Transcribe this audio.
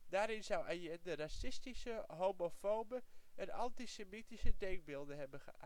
Daarin zou Allende racistische, homofobe en anti-semitische denkbeelden hebben